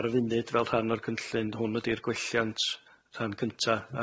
ar y funud fel rhan o'r cynllun hwn ydi'r gwelliant rhan cynta'